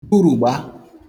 burugba